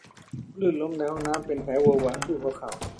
ลื่นล้มในห้องน้ำเป็นแผลเหวอะหวะที่หัวเข่า